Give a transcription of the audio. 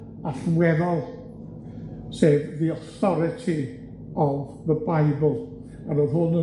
allweddol, sef The Authority of the Bible a ro'dd